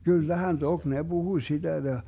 kyllähän toki ne puhui sitä ja